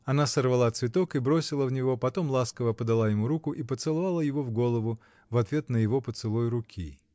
Она сорвала цветок и бросила в него, потом ласково подала ему руку и поцеловала его в голову, в ответ на его поцелуй руки.